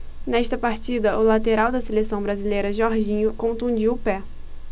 nesta partida o lateral da seleção brasileira jorginho contundiu o pé